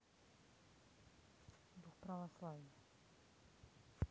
дух православия